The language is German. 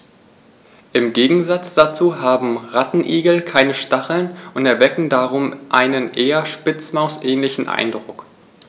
Im Gegensatz dazu haben Rattenigel keine Stacheln und erwecken darum einen eher Spitzmaus-ähnlichen Eindruck.